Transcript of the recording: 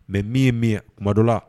Mɛ min ye min kuma dɔ la